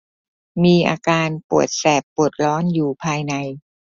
มีอาการปวดแสบปวดร้อนอยู่ภายใน